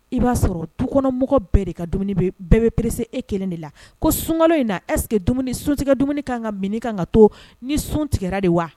I b'a sɔrɔ tukɔnɔmɔgɔ bɛɛ de ka bɛɛ bɛ peressi e kelen de la ko sunkalo in na ɛsseke suntigɛ dumuni ka kan ka mini kan ka to ni sun tigɛ de wa